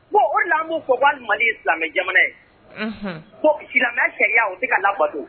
Bon o lamɔmu fɔ walima silamɛ jamana ye ko silamɛ cɛya u tɛ ka latu